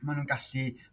ma' n'w'n gallu